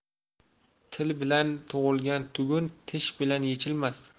til bilan tugilgan tugun tish bilan yechilmas